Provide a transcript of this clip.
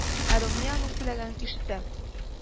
Ә румия аның сөйләгәнен ишетә